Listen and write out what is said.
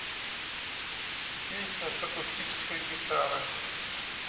песня с акустической гитарой